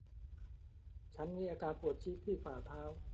ฉันมีอาการปวดจี๊ดที่ฝ่าเท้า